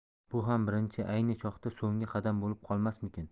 bu ham birinchi ayni choqda so'nggi qadam bo'lib qolmasmikin